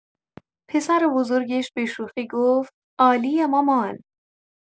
پسربزرگش به‌شوخی گفت: عالیه مامان!